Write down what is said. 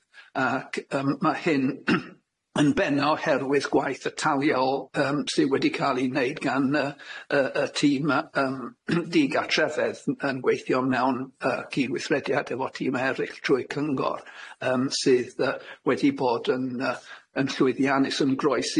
Ac yym ma' hyn yn bennaf oherwydd gwaith y taliol yym sy wedi cael ei wneud gan y y y tîm yy yym digartrefedd yn gweithio mewn yy cydweithrediad efo tîm eraill trwy cyngor, yym sydd yy wedi bod yn yy yn llwyddiannus, yn groes